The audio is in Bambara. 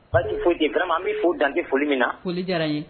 Basi foyi tɛ yen vraiment an b'i fo dan tɛ foli min na. Foli diyara n ye.